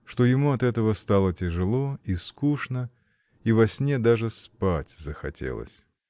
что ему от этого стало тяжело и скучно и во сне даже спать захотелось.